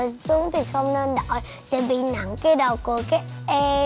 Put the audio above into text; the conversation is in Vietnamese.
xuống thì không nên đội sẽ bị nặng cái đầu của các em